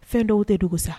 Fɛn dɔw tɛ dogo sa